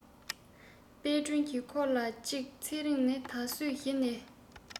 དཔལ སྒྲོན གྱིས ཁོ ལ གཅིག ཚེ རིང ནི ད གཟོད གཞི ནས